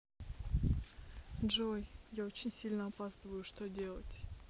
джой я очень сильно опаздываю что делать